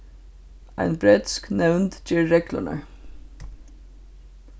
ein bretsk nevnd ger reglurnar